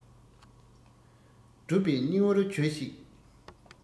སྒྲུབ པའི སྙིང བོར བྱོས ཤིག